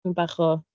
Am bach o...